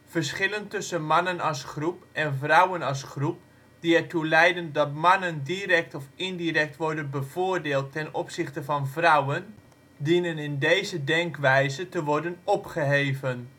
Verschillen tussen mannen als groep en vrouwen als groep die ertoe leiden dat mannen direct of indirect worden bevoordeeld ten opzichte van vrouwen, dienen in deze denkwijze te worden opgeheven